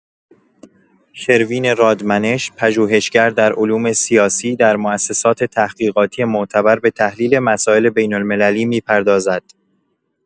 شروین رادمنش، پژوهشگر در علوم سیاسی، در موسسات تحقیقاتی معتبر به تحلیل مسائل بین‌المللی می‌پردازد.